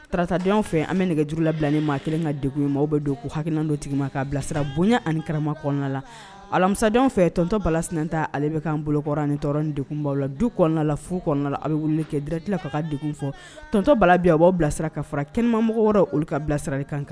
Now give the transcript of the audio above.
Taratadenw fɛ an bɛ nɛgɛgejuru labila ni maa kelen ka degeg maaw bɛ don ko hanan don tigi ma k'a bilasira bonya ani karama kɔnɔna la alamisadenw fɛ tɔnontɔ bala sen ta ale bɛkan an boloɔrɔn ani debaw la du kɔnɔna la fu kɔnɔna a bɛ wuli kɛ dti ka ka de fɔ tɔnontɔ bala bi aw bilasira ka fara kɛnɛmamɔgɔ wɔɔrɔ olu ka bilasira kan kan